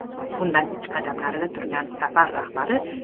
undan ikki qadam narida turgan safar rahbari